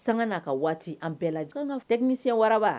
Sanga na ka waati an bɛɛ la an ka Technicien wara